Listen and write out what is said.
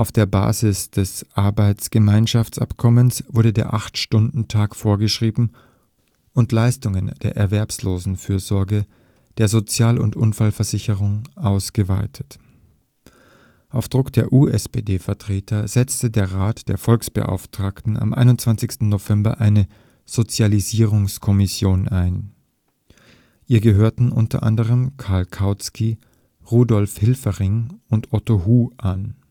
der Basis des Arbeitsgemeinschaftsabkommens wurde der 8-Stunden-Tag vorgeschrieben und Leistungen der Erwerbslosenfürsorge, der Sozial - und Unfallversicherung ausgeweitet. Auf Druck der USPD-Vertreter setzte der Rat der Volksbeauftragten am 21. November eine Sozialisierungskommission ein. Ihr gehörten u. a. Karl Kautsky, Rudolf Hilferding und Otto Hue an